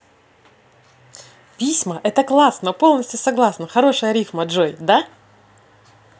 письма это классно полностью согласна хорошая рифма джой да